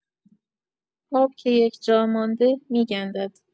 آب که یک جا مانده می‌گندد.